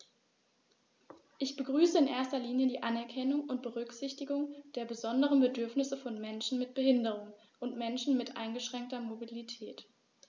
Ich begrüße in erster Linie die Anerkennung und Berücksichtigung der besonderen Bedürfnisse von Menschen mit Behinderung und Menschen mit eingeschränkter Mobilität.